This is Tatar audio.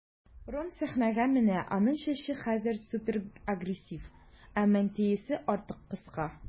Рон сәхнәгә менә, аның чәче хәзер суперагрессив, ә мантиясе артык кыска.